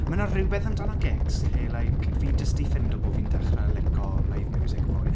Mae 'na rywbeth amdano gigs lle like fi jyst 'di ffeindio bod fi'n dechrau licio live music mwy.